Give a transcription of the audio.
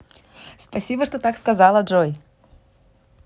спасибо что так сказала джой